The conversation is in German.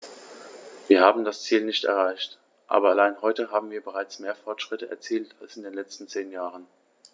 Wir haben das Ziel nicht erreicht, aber allein heute haben wir bereits mehr Fortschritte erzielt als in den letzten zehn Jahren.